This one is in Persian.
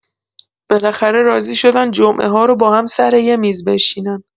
بالاخره راضی شدن جمعه‌ها رو با هم‌سر یه میز بشینن.